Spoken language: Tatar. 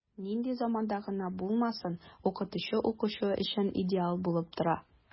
Нинди заманда гына булмасын, укытучы укучы өчен идеал булып тора.